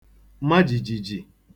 ma jìjìjì